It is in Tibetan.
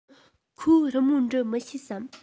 ཁོས རི མོ འབྲི མི ཤེས སམ